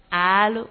Aa